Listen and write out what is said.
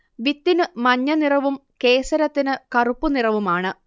വിത്തിനു മഞ്ഞനിറവും കേസരത്തിനു കറുപ്പു നിറവുമാണ്